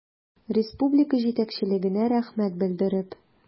Республика җитәкчелегенә рәхмәт белдереп.